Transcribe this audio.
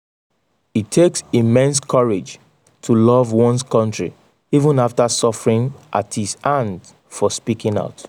It takes immense courage to love one's country even after suffering at its hands for speaking out.